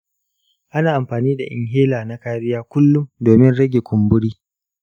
ana amfani da inhaler na kariya kullum domin rage kumburi.